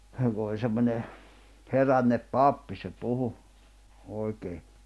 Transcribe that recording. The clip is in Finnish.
se kun oli semmoinen herännyt pappi se puhui oikein